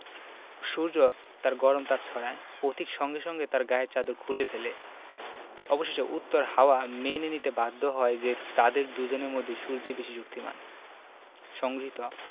সূর্য তার গরম তাপ ছড়ায় পথিক সঙ্গে সঙ্গে তার গায়ের চাদর খুলে ফেলে অবশেষে উত্তর হাওয়া মেনে নিতে বাধ্য হয় যে তাদের দুজনের মধ্যে সূর্যই বেশি শক্তিমান সংগৃহীত